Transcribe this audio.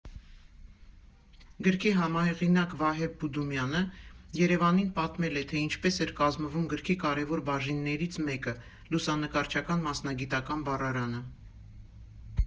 Գրքի համահեղինակ Վահե Բուդումյանը ԵՐԵՎԱՆին պատմել է, թե ինչպես էր կազմվում գրքի կարևոր բաժիններից մեկը՝ լուսանկարչական մասնագիտական բառարանը։